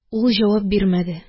Ул җавап бирмәде